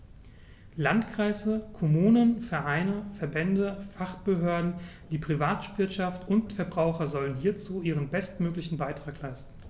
Landkreise, Kommunen, Vereine, Verbände, Fachbehörden, die Privatwirtschaft und die Verbraucher sollen hierzu ihren bestmöglichen Beitrag leisten.